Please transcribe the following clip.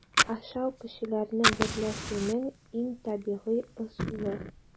Ашау - кешеләрне берләшүнең иң табигый ысулы.